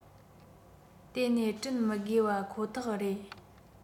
དེ ནས བསྐྲུན མི དགོས བ ཁོ ཐག རེད